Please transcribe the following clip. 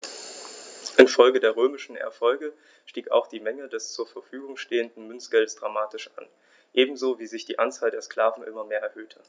Infolge der römischen Erfolge stieg auch die Menge des zur Verfügung stehenden Münzgeldes dramatisch an, ebenso wie sich die Anzahl der Sklaven immer mehr erhöhte.